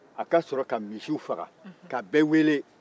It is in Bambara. a ka sɔro ka misiw faga ka bɛɛ wele